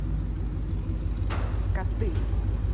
скоты